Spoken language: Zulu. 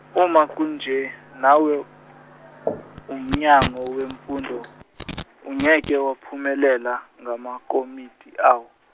uma kunje, nawo, uMnyango weMfundo, ungeke waphumelela ngamakomiti awo.